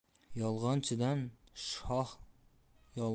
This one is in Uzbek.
yolg'onchidan shon qolmas